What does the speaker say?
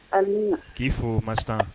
A k'i fo ma